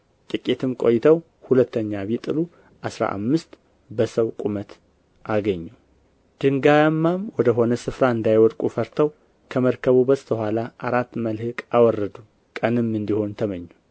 ጥቂትም ቆይተው ሁለተኛ ቢጥሉ አሥራ አምስት በሰው ቁመት አገኙ ድንጋያማም ወደ ሆነ ስፍራ እንዳይወድቁ ፈርተው ከመርከቡ በስተኋላ አራት መልሕቅ አወረዱ ቀንም እንዲሆን ተመኙ